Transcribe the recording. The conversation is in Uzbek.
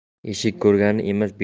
eshik ko'rganni emas